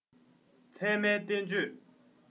ཚད མའི བསྟན བཅོས